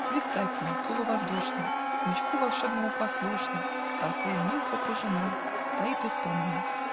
Блистательна, полувоздушна, Смычку волшебному послушна, Толпою нимф окружена, Стоит Истомина